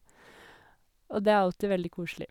Og det er alltid veldig koselig.